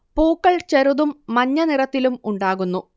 പൂക്കൾ ചെറുതും മഞ്ഞ നിറത്തിലും ഉണ്ടാകുന്നു